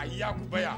A y'a kubaya